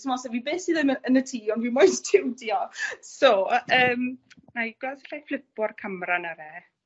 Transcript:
sim ots 'da fi beth sydd yn y yn y tŷ ond fi moyn stiwdio. So a yym nâi gweld os 'llai flipo'r camra nawr 'e.